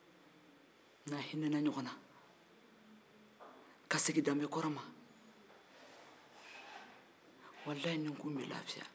n'an hinɛna ɲɔgɔn ka segin danbe kɔrɔ ma walaahe nikun bɛ lafiya